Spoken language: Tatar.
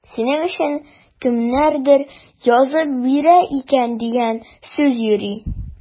Синең өчен кемнәрдер язып бирә икән дигән сүз йөри.